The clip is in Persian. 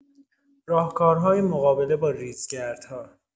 راهکارهای مقابله با ریزگردها